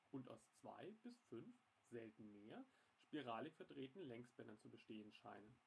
und aus zwei bis fünf, selten mehr, spiralig verdrehten Längsbändern zu bestehen scheinen